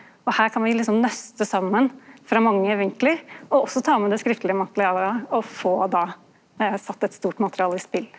og her kan vi liksom nøsta saman frå mange vinklar og også ta med det skriftlege materialet å få då sett eit stort materiale i spel.